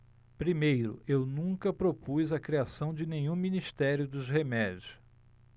primeiro eu nunca propus a criação de nenhum ministério dos remédios